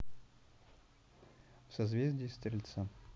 в созвездии стрельца